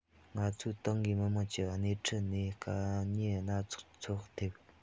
ང ཚོའི ཏང གིས མི དམངས ཀྱི སྣེ ཁྲིད ནས དཀའ ཉེན སྣ ཚོགས ཀྱི ཚོད བགམ ཐེག